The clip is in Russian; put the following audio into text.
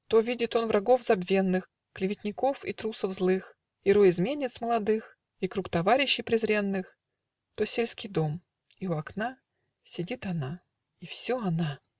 То видит он врагов забвенных, Клеветников, и трусов злых, И рой изменниц молодых, И круг товарищей презренных, То сельский дом - и у окна Сидит она. и все она!.